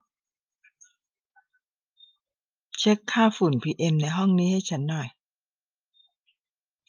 เช็คค่าฝุ่น PM ในห้องนี้ให้ฉันหน่อย